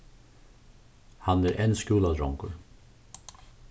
hann er enn skúladrongur